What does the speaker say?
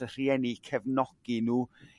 y rhieni cefnogi n'w